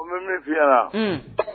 An bɛ min fiyara